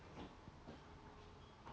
ну это хорошо память